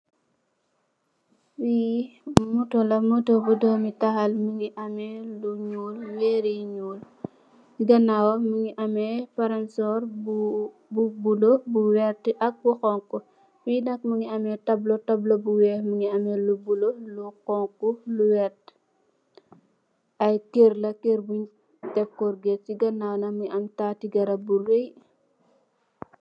Fi moto, moto bu doomital mungi ameh lu ñuul, wërr yu ñuul, ganaawam mungi ameh palansor bu bulo, bi vert ak bu honku. Fi nak mungi ameh taabla, taabla bu weeh mungi ameh lu bulo, lu honku, lu vert. Ay kër la, kër bun tek corket, ci ganaaw nak mungi am taati garab bu rëy.